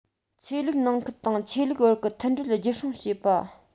ཆོས ལུགས ནང ཁུལ དང ཆོས ལུགས བར གྱི མཐུན སྒྲིལ རྒྱུན སྲུང བྱེད པ